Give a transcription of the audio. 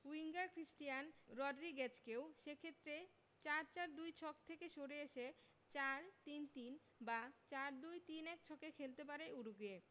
winger Christian রড্রিগেজকেও সে ক্ষেত্রে ৪ ৪ ২ ছক থেকে সরে এসে ৪ ৩ ৩ বা ৪ ২ ৩ ১ ছকে খেলতে পারে উরুগুয়ে